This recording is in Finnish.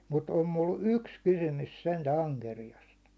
mutta on minulla yksi kysymys sentään ankeriaasta